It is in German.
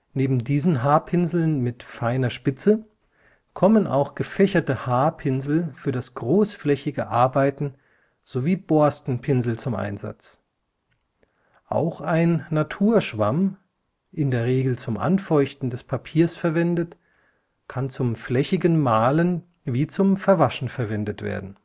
Neben diesen Haarpinseln mit feiner Spitze kommen auch gefächerte Haarpinsel für das großflächige Arbeiten sowie Borstenpinsel zum Einsatz. Auch ein Naturschwamm – in der Regel zum Anfeuchten des Papiers verwendet – kann zum flächigen Malen wie zum Verwaschen verwendet werden